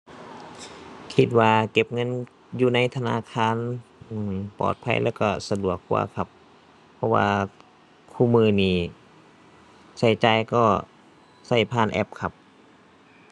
คิดว่าเก็บเงินอยู่ในธนาคาร อือ ปลอดภัยแล้วก็สะดวกกว่าครับ เพราะว่า คุมื้อนี้ก็จ่ายก็ก็ผ่านแอปครับ